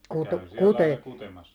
käykös se siellä aina kutemassa